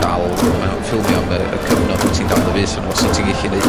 dal ma' ffilmio am y y cyfnod wt ti'n dal dy fus arno fo so ti gellu neud...